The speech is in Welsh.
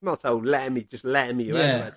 Dwi me'wl tae Lemmy jyst Lemmy yw e? Ie.